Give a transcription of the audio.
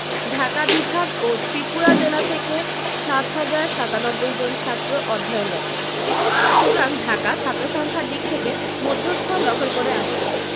ঢাকা বিভাগ ও ত্রিপুরা জেলা থেকে ৭ হাজার ৯৭ জন ছাত্র অধ্যয়নরত সুতরাং ঢাকা ছাত্রসংখ্যার দিক থেকে মধ্যস্থান দখল করে আছে